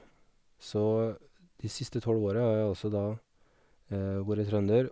Så de siste tolv åra har jeg altså da vore trønder.